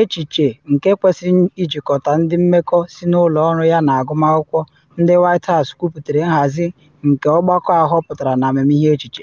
Echiche, nke kwesịrị ijikọta ndị mmekọ si na ụlọ ọrụ yana agụmakwụkwọ, ndị White House kwuputere nhazi nke Ọgbakọ A họpụtara na Amamịhe Echiche.